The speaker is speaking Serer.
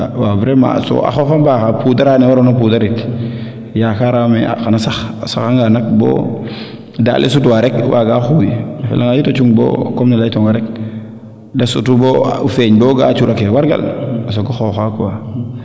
waaw vraiment pudar a ne waroona pudar it yakaarame xana sax a saxa nga nak boo daand le sut wa rek waaga xufi a felanga yit o cung boo comme ne leytoona rek de sutu bo a weeñ bo ga'a cuura ke wargal o soogo xooxa quoi